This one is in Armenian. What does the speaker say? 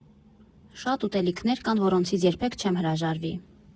Շատ ուտելիքներ կան, որոնցից երբեք չեմ հրաժարվի։